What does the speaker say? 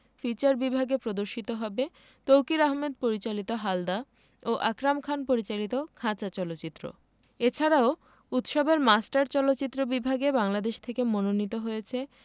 feature বিভাগে প্রদর্শিত হবে তৌকীর আহমেদ পরিচালিত হালদা ও আকরাম খান পরিচালিত খাঁচা চলচ্চিত্র এছাড়াও উৎসবের মাস্টার চলচ্চিত্র বিভাগে বাংলাদেশ থেকে মনোনীত হয়েছে